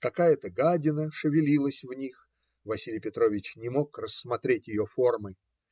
Какая-то гадина шевелилась в них; Василий Петрович не мог рассмотреть ее формы.